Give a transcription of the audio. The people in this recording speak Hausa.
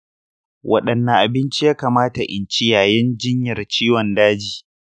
wadanne abinci ya kamata in ci yayin jinyar ciwon daji?